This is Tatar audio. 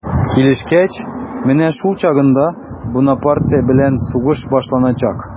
Килешкәч, менә шул чагында Бунапарте белән сугыш башланачак.